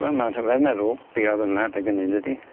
Wel ma'n rhyfedd meddwl be' odd yma dy' gynnyn dydi?